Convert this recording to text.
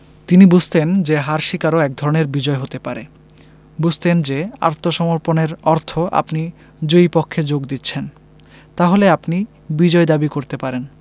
তিনি বুঝতেন যে হার স্বীকারও একধরনের বিজয় হতে পারে বুঝতেন যে আত্মসমর্পণের অর্থ আপনি জয়ী পক্ষে যোগ দিচ্ছেন তাহলে আপনি বিজয় দাবি করতে পারেন